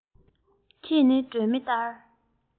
ཁྱེད ནི སྒྲོན མེ ལྟར